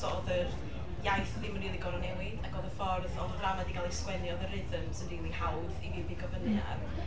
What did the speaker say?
So oedd yr iaith ddim yn rili gorfod newid, ac oedd y ffordd oedd y ddrama 'di gael ei sgwennu, oedd y rhythms yn rili hawdd i fi bigo fyny ar.